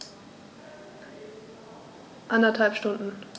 Eineinhalb Stunden